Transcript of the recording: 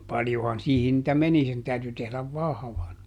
paljonhan siihen niitä meni sen täytyi tehdä vahvan